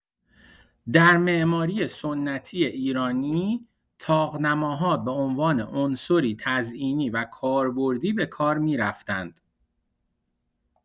در معماری سنتی ایرانی، طاق‌نماها به عنوان عنصری تزئینی و کاربردی به‌کار می‌رفتند.